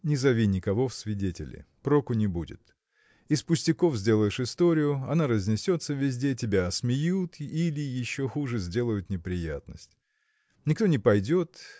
Не зови никого в свидетели: проку не будет. Из пустяков сделаешь историю она разнесется везде тебя осмеют или еще хуже сделают неприятность. Никто не пойдет